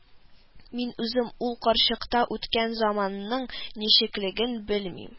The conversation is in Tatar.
Мин үзем ул карчыкта үткән заманның ничеклеген белмим